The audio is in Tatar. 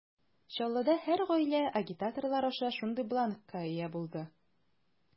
Чаллыда һәр гаилә агитаторлар аша шундый бланкка ия булды.